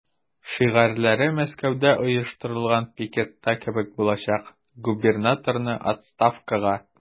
Шигарьләре Мәскәүдә оештырылган пикетта кебек булачак: "Губернаторны– отставкага!"